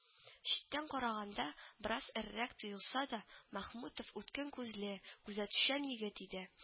Читтән караганда бераз эрерәк тоелса да, Мәхмүтов үткен күзле, күзәтүчән егет иде